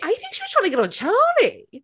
I think she was trying to get on Charlie.